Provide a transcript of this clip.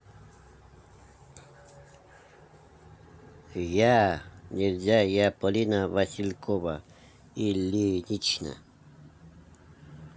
я нельзя я полина василькова ильинична